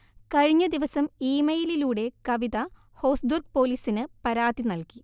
കഴിഞ്ഞദിവസം ഇമെയിലിലൂടെ കവിത ഹോസ്ദുർഗ് പോലീസിന് പരാതി നൽകി